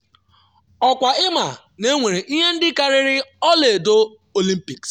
“Ọ kwa ịma, na-enwere ihe ndị karịrị ọla edo Olympics.